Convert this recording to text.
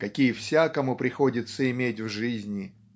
какие всякому приходится иметь в жизни.